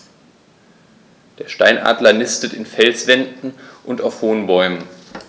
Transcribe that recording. Der Steinadler nistet in Felswänden und auf hohen Bäumen.